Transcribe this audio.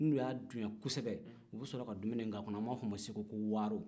n'u dunya kɔsɛbɛ u bɛ sɔrɔ ka dumuni k'a kɔnɔ an b'a f'o ma ko waaro